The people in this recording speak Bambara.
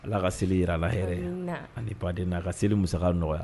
Ala ka seli jira a la hɛrɛɛ ye ani baden n' ka seli musa nɔgɔya yan